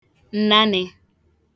ǹnanị̄